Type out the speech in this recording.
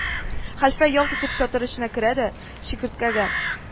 Хәлфә ялт итеп чатыр эченә керә дә, Чикерткәгә: